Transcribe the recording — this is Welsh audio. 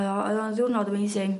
mae o oedd o'n ddiwrnod amazing.